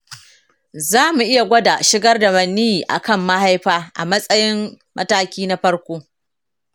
za mu iya gwada shigar da maniyyi cikin mahaifa a matsayin mataki na farko.